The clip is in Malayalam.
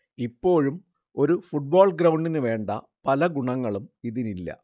ഇപ്പോഴും ഒരു ഫുട്ബോൾ ഗ്രൗണ്ടിനുവേണ്ട പല ഗുണങ്ങളും ഇതിനില്ല